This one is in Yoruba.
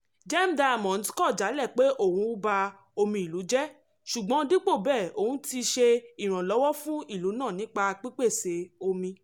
Gem Diamonds kọ̀ jálẹ̀ pé òun ba omi ìlú jẹ́ ṣùgbọ́n dípò bẹ́ẹ̀ òun ti ṣe ìrànlọ́wọ́ fún ìlú náà nípa pípèsè omi.